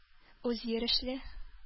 Үзйөрешле